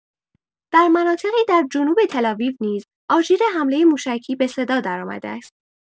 در مناطقی در جنوب تل‌آویو نیز آژیر حمله موشکی به صدا درآمده است.